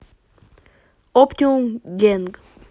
оптимус гэнг